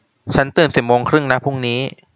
ฉันตื่นสิบโมงครึ่งนะพรุ่งนี้